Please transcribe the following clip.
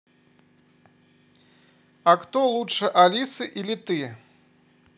а кто лучше алиса или ты